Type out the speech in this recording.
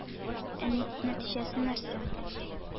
Ә нәтиҗәсе нәрсә...